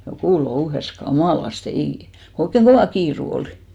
joku louhi kamalasti ei kun oikein kova kiire oli